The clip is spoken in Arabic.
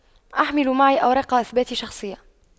احمل معي أوراق اثبات شخصية